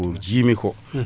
ko jiimi ko